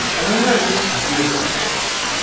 у меня есть велик